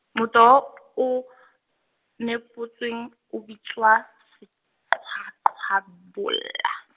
motoho o , nepotsweng, o bitswa, seqhaqhabola.